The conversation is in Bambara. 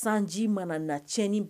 Sanji mana na tiɲɛni